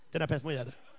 Dyna'r peth mwyaf de.